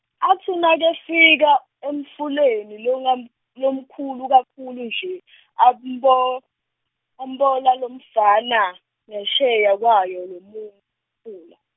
atsi nakefika emfuleni longam- lomkhulu kakhulu nje , ambo- ambola lomfana, ngensheya kwawo lomum- fula.